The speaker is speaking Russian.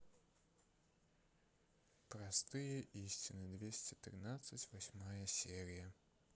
простые истины двести тридцать восьмая серия